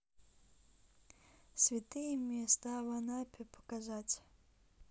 святые места в анапе показать